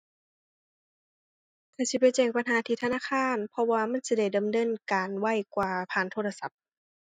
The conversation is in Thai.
ข้อยสิไปแจ้งปัญหาที่ธนาคาร เพราะว่ามันสิได้ดำเนินการไวกว่าผ่านโทรศัพท์